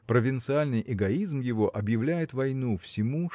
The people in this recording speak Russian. Провинциальный эгоизм его объявляет войну всему